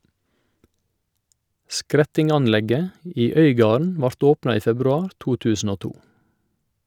Skretting-anlegget i Øygarden vart åpna i februar 2002.